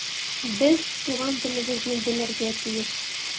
Без туган телебезне белергә тиеш.